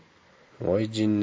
voy jinni